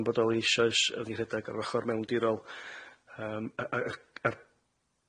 yn bodoli eisoes yy yn rhedeg ar ochor mewndirol yym a-